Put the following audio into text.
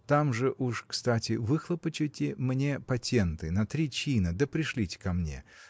Там же уж кстати выхлопочите мне патенты на три чина да пришлите ко мне.